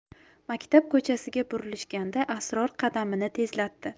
maktab ko'chasiga burilishganda asror qadamini tezlatdi